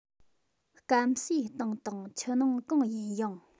སྐམ སའི སྟེང དང ཆུ ནང གང ཡིན ཡང